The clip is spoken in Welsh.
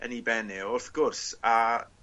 yn 'i ben e wrth gwrs a